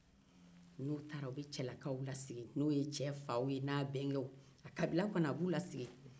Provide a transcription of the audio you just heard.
n'u taara u bɛ cɛ kabila lasigi